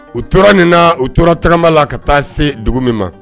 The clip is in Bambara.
U tora nin na u tora tagama la ka taa se dugu min ma